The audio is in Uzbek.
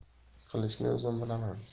qilishni o'zim bilaman